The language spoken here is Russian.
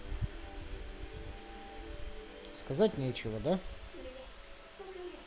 сказать нечего да